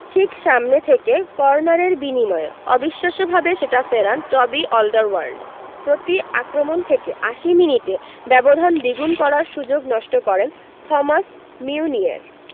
ঠিক সামনে থেকে কর্নারের বিনিময়ে অবিশ্বাস্যভাবে সেটা ফেরান টবি অলডারওয়ার্ল্ড প্রতি আক্রমণ থেকে ৮০ মিনিটে ব্যবধান দ্বিগুণ করার সুযোগ নষ্ট করেন থমাস মিউনিয়ের